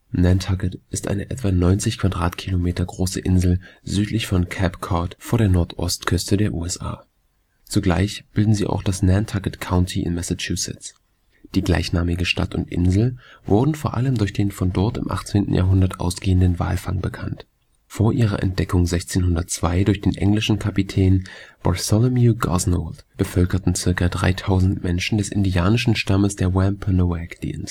Nantucket ist eine etwa 90 km² große Insel südlich von Cape Cod vor der Nordost-Küste der USA. Zugleich bildet sie auch das Nantucket County in Massachusetts. Die gleichnamige Stadt und Insel wurden vor allem durch den von dort im 18. Jahrhundert ausgehenden Walfang bekannt. Vor ihrer Entdeckung 1602 durch den englischen Kapitän Bartholomew Gosnold bevölkerten ca. 3000 Menschen des indianischen Stammes der Wampanoag die